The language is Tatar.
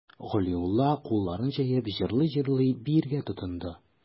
Галиулла, кулларын җәеп, җырлый-җырлый биергә тотынды.